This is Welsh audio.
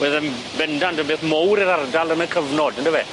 Wedd yn bendant yn beth mowr i'r ardal yn y cyfnod yndyfe?